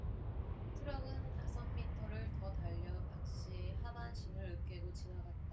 트럭은 다섯 미터를 더 달려 박씨의 하반신을 으깨고 지나갔다